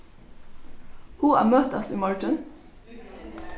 hug at møtast í morgin